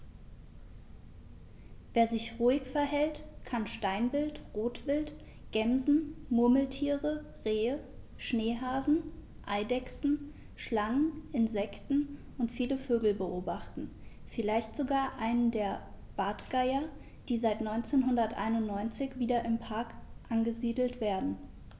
Wer sich ruhig verhält, kann Steinwild, Rotwild, Gämsen, Murmeltiere, Rehe, Schneehasen, Eidechsen, Schlangen, Insekten und viele Vögel beobachten, vielleicht sogar einen der Bartgeier, die seit 1991 wieder im Park angesiedelt werden.